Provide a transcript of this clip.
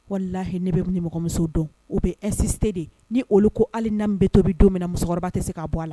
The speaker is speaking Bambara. Wala lahi ne bɛ ni mɔgɔmɔgɔmuso dɔn o bɛ ɛsise de ni olu ko hali na bɛ tobi don min musokɔrɔba tɛ se'a bɔ a la